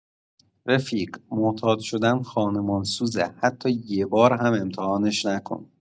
رفیق، معتاد شدن خانمانسوزه، حتی یه بار هم امتحانش نکن!